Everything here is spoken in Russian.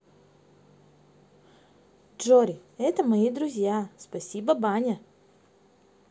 jory это мои друзья спасибо баня